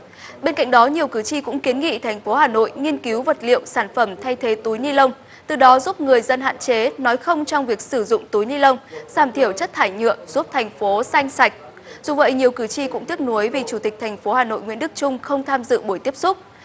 bên cạnh đó nhiều cử tri cũng kiến nghị thành phố hà nội nghiên cứu vật liệu sản phẩm thay thế túi ni lông từ đó giúp người dân hạn chế nói không trong việc sử dụng túi ni lông giảm thiểu chất thải nhựa giúp thành phố xanh sạch dù vậy nhiều cử tri cũng tiếc nuối về chủ tịch thành phố hà nội nguyễn đức chung không tham dự buổi tiếp xúc